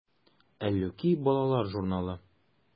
“әллүки” балалар журналы.